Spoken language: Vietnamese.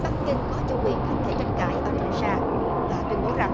bắc kinh có chủ quyền không thể tranh cãi ở trường sa và tuyên bố rằng